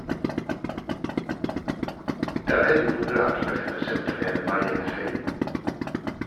Det er veldig populært, forteller senterleder Marianne Høi.